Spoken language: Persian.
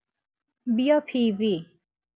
بیا پی وی